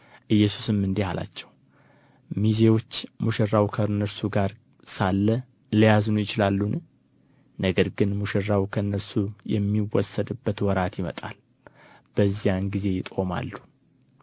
ኢየሱስም እንዲህ አላቸው ሚዜዎች ሙሽራው ከእነርሱ ጋር ሳለ ሊያዝኑ ይችላሉን ነገር ግን ሙሽራው ከእነርሱ የሚወሰድበት ወራት ይመጣል በዚያ ጊዜም ይጦማሉ